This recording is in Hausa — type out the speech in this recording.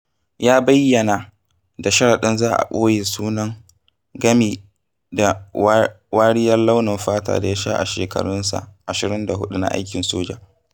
Ya bayyana da sharaɗin za a ɓoye sunansa gami da wariyar launin fatar da ya sha a shekarunsa 24 na aikin soja: